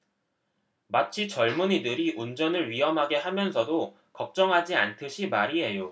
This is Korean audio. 마치 젊은이들이 운전을 위험하게 하면서도 걱정하지 않듯이 말이에요